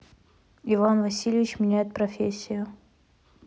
иван васильевич меняет профессию